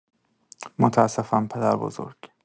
متاسفم پدربزرگ!